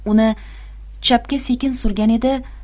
uni chapga sekin surgan edi